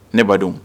Ne badenw